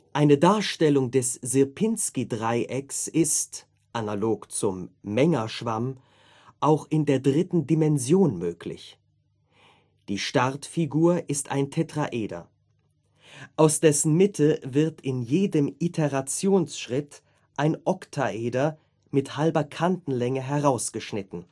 Eine Darstellung des Sierpinksi-Dreiecks ist, analog zum Menger-Schwamm, auch in der dritten Dimension möglich: Die Startfigur ist ein Tetraeder. Aus dessen Mitte wird in jedem Iterationsschritt ein Oktaeder mit halber Kantenlänge herausgeschnitten